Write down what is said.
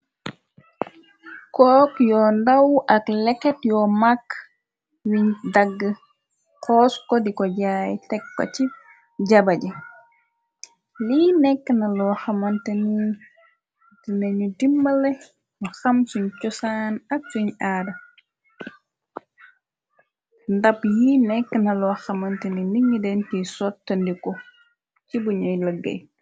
Cook yoo ndaw ak leket yoo mag wiñ dagg xoos ko diko jaay tekka ci jaba ji li nekk na lo xamantendinañu dimale u xam suñu cosaan ak suñ aada ndab li nekk na lo xamante ni ndi ngi den ti sottndiko ci buñuy lëggey.